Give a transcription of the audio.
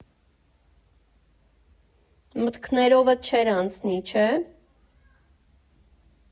Մտքներովդ չէր անցնի, չէ՞։